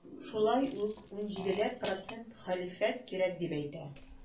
Шулай ук 17 ләп процент хәлифәт кирәк дип әйтә.